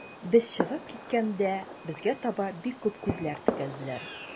Без чыгып киткәндә, безгә таба бик күп күзләр текәлделәр.